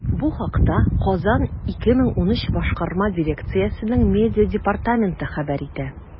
Бу хакта “Казан 2013” башкарма дирекциясенең медиа департаменты хәбәр итә.